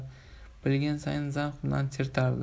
bilgan sayin zavq bilan chertardi